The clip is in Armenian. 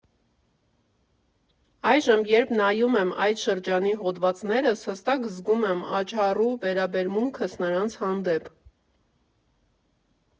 Այժմ, երբ նայում եմ այդ շրջանի հոդվածներս, հստակ զգում եմ աչառու վերաբերմունքս նրանց հանդեպ։